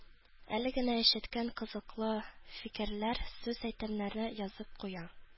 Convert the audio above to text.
Әле генә ишеткән кызыклы фикерләр, сүз-әйтемнәрне язып куя